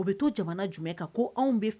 U bɛ to jamana jumɛn kan ko anw